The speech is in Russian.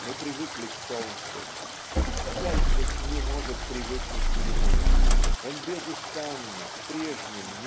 Мы привыкли к солнцу, - Зайцев не может привыкнуть к нему он безустанно с прежним